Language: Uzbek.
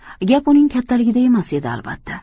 gap uning kattaligida emas edi albatta